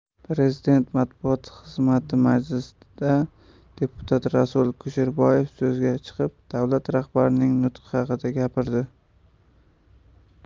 prezident matbuot xizmatimajlisda deputat rasul kusherbayev so'zga chiqib davlat rahbarining nutqi haqida gapirdi